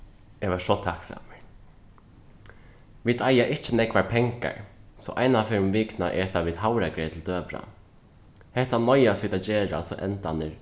eg var so takksamur vit eiga ikki nógvar pengar so eina ferð um vikuna eta vit havragreyt til døgurða hetta noyðast vit at gera so endarnir